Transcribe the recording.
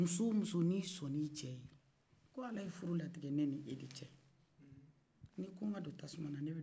musow musow nin sɔna i cɛ ye ko ala ye furu latigɛ ne n'i de cɛ ne ko ne ka do tasumana ne bɛ do